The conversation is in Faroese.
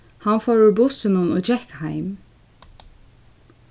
hann fór úr bussinum og gekk heim